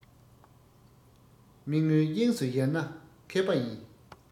མི མངོན དབྱིངས སུ ཡལ ན མཁས པ ཡིན